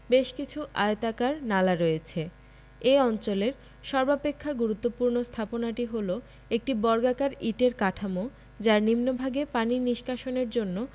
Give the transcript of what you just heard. বেশ কিছু আয়তাকার নালা রয়েছে এ অঞ্চলের সর্বাপেক্ষা গুরুত্বপূর্ণ স্থাপনাটি হলো একটি বর্গাকার ইটের কাঠামো যার নিম্নভাগে পানি নিষ্কাশনের জন্য